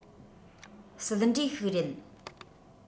སྲིད འབྲས ཤིག རེད